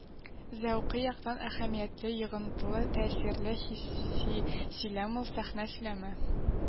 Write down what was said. Зәүкый яктан әһәмиятле, йогынтылы, тәэсирле, хисси сөйләм ул — сәхнә сөйләме.